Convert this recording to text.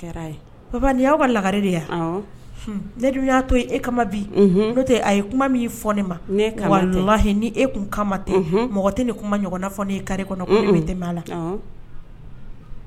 Kɛra ye papa nin y'aw ka lakare de ye a awɔ hun ne dun y'a to ye e kama bi unhun n'o te a ye kuma min fɔ ne ma ne kama tɛ wal-lahi ni e kun kama tɛ unhun mɔgɔ te ni kuma ɲɔgɔnna fɔ ne ye carré kɔnɔ un un ko ne be tɛmɛ a la awɔ